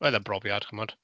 Roedd e'n brofiad, chimod.